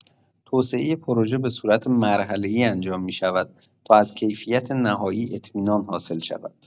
توسعه پروژه به‌صورت مرحله‌ای انجام می‌شود تا از کیفیت نهایی اطمینان حاصل شود.